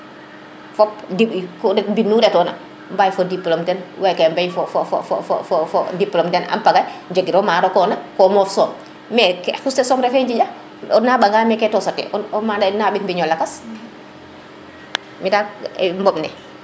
fop mbinu retona a mbay fo diplome den weke mbay fo fo fo fo diplome den ampagay jegiro ma roqona ko moof soom mais ke ndax na soxla fe jega o naɓa nga mene to saqe namik mbiƴo lakas wo dal ɓoɓ ne